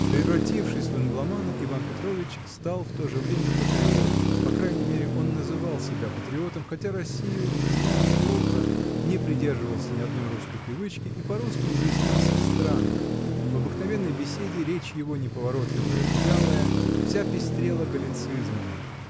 -- превратившись в англомана, Иван Петрович стал в то же время патриотом, по крайней мере он называл себя патриотом, хотя Россию знал плохо, не придерживался ни одной русской привычки и по-русски изъяснялся странно: в обыкновенной беседе речь его, неповоротливая и вялая, вся пестрела галлицизмами